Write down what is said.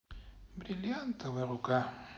бриллиантовая рука